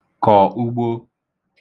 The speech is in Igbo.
kọ̀ ugbo